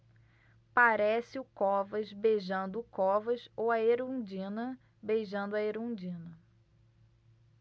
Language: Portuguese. parece o covas beijando o covas ou a erundina beijando a erundina